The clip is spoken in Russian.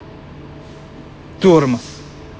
тормоз